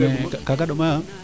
mais kaga ɗoma xa